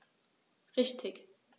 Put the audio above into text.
Richtig